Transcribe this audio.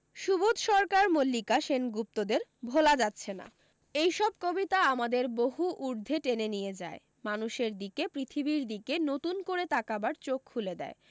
সুবোধ সরকার মল্লিকা সেনগুপ্তদের ভোলা যাচ্ছে না এই সব কবিতা আমাদের বহু ঊর্ধ্বে টেনে নিয়ে যায় মানুষের দিকে পৃথিবীর দিকে নতুন করে তাকাবার চোখ খুলে দেয়